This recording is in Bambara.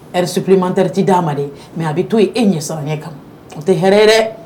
Ri supmantɛreti d'a ma de ye mɛ a bɛ to e ɲɛsɔrɔ kan o tɛ hɛrɛ dɛ